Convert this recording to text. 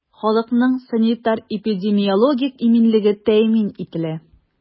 Халыкның санитар-эпидемиологик иминлеге тәэмин ителә.